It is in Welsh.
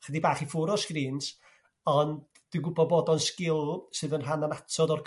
'chydig bach i ffwr' o sgrîns ond dwi gw'bod bod o'n sgil sydd yn rhan anatod o'r